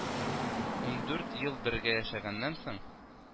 Ундүрт ел бергә яшәгәннән соң